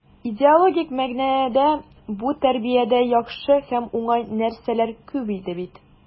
Идеологик мәгънәдә бу тәрбиядә яхшы һәм уңай нәрсәләр күп иде бит.